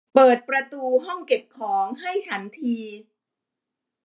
เปิดประตูห้องเก็บของให้ฉันที